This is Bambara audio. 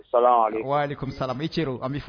Bɛ fɔ